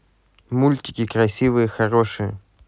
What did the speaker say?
мультики красивые хорошие